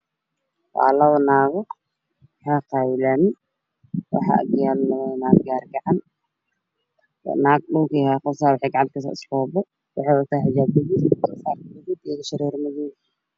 Waa labo naago oo xaaqayo laami waxaa agyaalo gaarigacan, naagta usoo horeyso waxay gacanta kuheysaa iskoobe waxay wadataa xijaab gaduud ah iyo indho shareer madow ah.